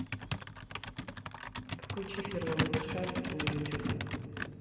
включи ферма малышарики на ютуб